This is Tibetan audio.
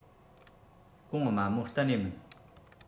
གོང དམའ མོ གཏན ནས མིན